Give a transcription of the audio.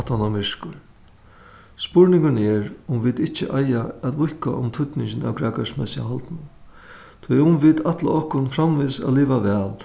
aftaná myrkur spurningurin er um vit ikki eiga at víðka um týdningin av grækarismessuhaldinum tí um vit ætla okkum framvegis at liva væl